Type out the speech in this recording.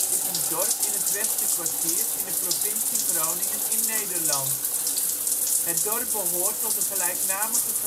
is een dorp in het Westerkwartier in de provincie Groningen in Nederland. Het dorp behoort tot de gelijknamige